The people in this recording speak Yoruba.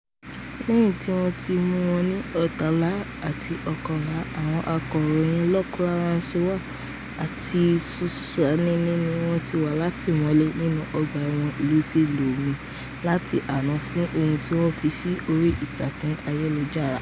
#Togo: lẹ́yìn tí wọ́n mú wọn ní 13/11,àwọn akọ̀ròyìn @loiclawson1 ati @SossouAnani ni wọ́n ti wà látìmọ́lé nínú ọgbà ẹ̀wọ̀n ìlú ti Lomé láti àná fún ohun tí wọ́n fi sì orí ìtàkùn ayélujára.